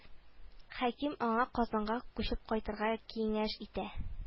Хәким аңа казанга күчеп кайтырга киңәш итә